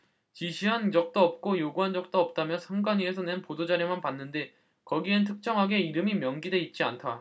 지시한 적도 없고 요구한 적도 없다며 선관위에서 낸 보도자료만 봤는데 거기엔 특정하게 이름이 명기돼 있지 않다